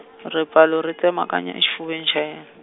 ripfalo ri tsemakanya exifuveni xa yen-.